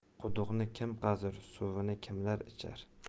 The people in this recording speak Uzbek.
quduqni kim qazir suvini kimlar ichar